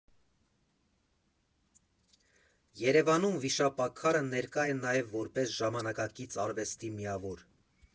Երևանում վիշապաքարը ներկա է նաև որպես ժամանակակից արվեստի միավոր։